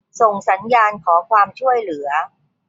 ส่งสัญญาณขอความช่วยเหลือ